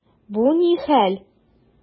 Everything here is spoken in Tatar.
Бу ни хәл!